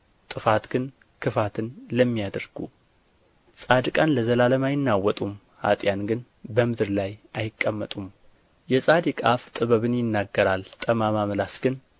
ጥፋት ግን ክፋትን ለሚያደርጉ ጻድቃን ለዘላለም አይናወጡም ኅጥኣን ግን በምድር ላይ አይቀመጡም የጻድቅ አፍ ጥበብን ይናገራል ጠማማ ምላስ ግን